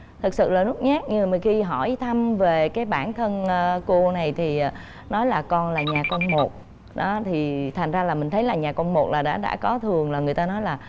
thực sự là nhút nhát nhưng mà khi hỏi thăm về cái bản thân cô này thì nó là con là nhà con một đó thì thành ra là mình thấy là nhà con một là đã đã có thường là người ta nói là